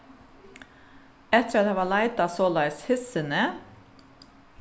eftir at hava leitað soleiðis hissini